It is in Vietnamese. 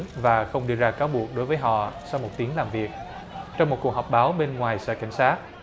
và không đưa ra cáo buộc đối với họ sau một tiếng làm việc trong một cuộc họp báo bên ngoài sở cảnh sát